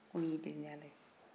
ko n y'i deli ni ala ye